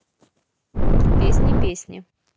песни песни